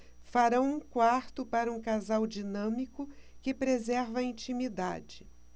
farão um quarto para um casal dinâmico que preserva a intimidade